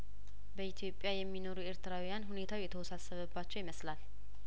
በኢትዮጵያ የሚኖሩ ኤርትራውያን ሁኔታው የተወሳሰበባቸው ይመስላል